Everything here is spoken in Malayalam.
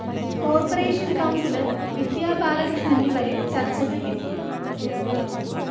കോർപറേഷൻ കൗൺസിലർ വിദ്യാ ബാലകൃഷ്ണനിൽ വരെ ചർച്ചകൾ എത്തി